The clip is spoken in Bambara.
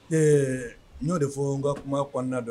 Ɛɛ ɲo de fɔɔ n ka kuma kɔnɔna na dɔ